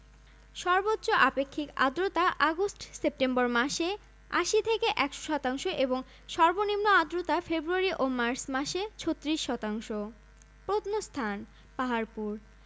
দিনাজপুর জেলার নওয়াবগঞ্জ উপজেলায় অবস্থিত ওয়ারী বটেশ্বর নরসিংদী জেলার বেলাব থানা থেকে প্রায় তিন কিলোমিটার পশ্চিমে অবস্থিত